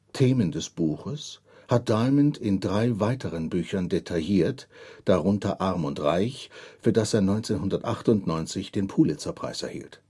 Themen des Buches hat Diamond in drei weiteren Büchern detailliert, darunter Arm und Reich, für das er 1998 den Pulitzer-Preis erhielt